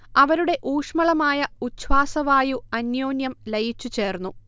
അവരുടെ ഊഷ്മളമായ ഉച്ഛ്വാസവായു അന്യോന്യം ലയിച്ചു ചേർന്നു